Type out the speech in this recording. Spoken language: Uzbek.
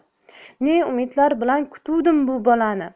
ne umidlar bilan kutuvdim bu bolani